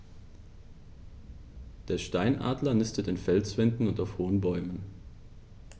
Der Steinadler nistet in Felswänden und auf hohen Bäumen.